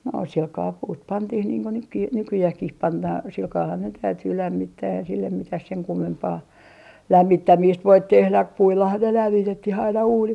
no sillä kalella puut pantiin niin kuin nytkin nykyäänkin pannaan sillä kalellahan ne täytyy lämmittää ei sille mitään sen kummempaa lämmittämistä voi tehdä puillahan ne - lämmitettiin aina uunit